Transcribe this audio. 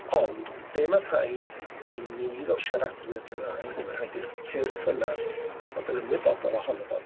Ond, be mae'n rhaid i ni fel siaradwyr Cymraeg, be mae'n rhaid i'r cyrff yna fod yn ymwybodol ohonno fo...